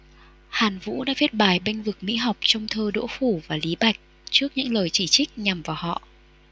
hàn vũ đã viết bài bênh vực mỹ học trong thơ đỗ phủ và lý bạch trước những lời chỉ trích nhằm vào họ